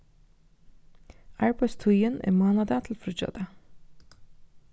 arbeiðstíðin er mánadag til fríggjadag